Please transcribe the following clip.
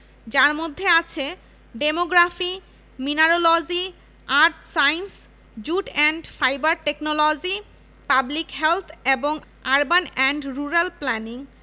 যার মধ্যে আছে demography mineralogy earth science jute and fibre technology public health এবং আরবান অ্যান্ড রুরাল প্ল্যানিং